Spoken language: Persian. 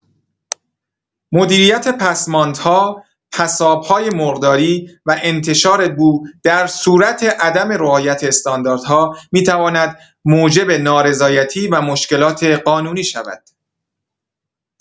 مدیریت پسماندها، پساب‌های مرغداری و انتشار بو در صورت عدم رعایت استانداردها می‌تواند موجب نارضایتی و مشکلات قانونی شود.